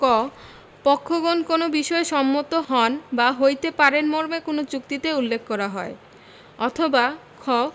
ক পক্ষগণ কোন বিষয়ে সম্মত হন বা হইতে পারেন মর্মে কোন চুক্তিতে উল্লেখ করা হয় অথবা খ